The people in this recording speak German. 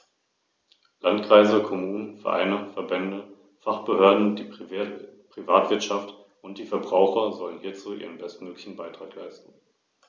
Nistplätze an Felsen liegen meist in Höhlungen oder unter Überhängen, Expositionen zur Hauptwindrichtung werden deutlich gemieden.